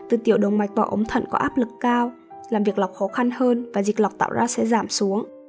từ tiểu động mạch vào ống thận có áp lực cao làm việc lọc khó khăn hơn và dịch lọc tạo ra sẽ giảm xuống